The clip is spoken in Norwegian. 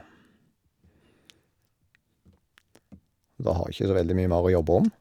Og da har jeg ikke så veldig mye mer å jobba om.